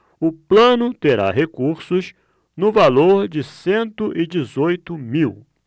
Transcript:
o plano terá recursos no valor de cento e dezoito mil